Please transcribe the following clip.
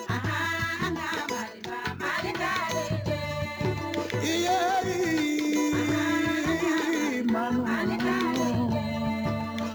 MUSIQUE ET CHANSON